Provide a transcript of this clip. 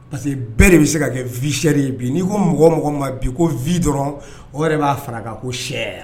Parce que bɛɛ de bɛ se ka kɛ vie chère ye bi n'i ko mɔgɔ o mɔgɔ ma bi ko vie dɔrɔnw o b'a fara an ko chère